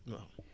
waaw